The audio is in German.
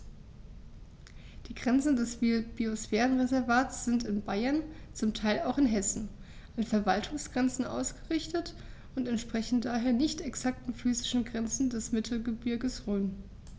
Die Grenzen des Biosphärenreservates sind in Bayern, zum Teil auch in Hessen, an Verwaltungsgrenzen ausgerichtet und entsprechen daher nicht exakten physischen Grenzen des Mittelgebirges Rhön.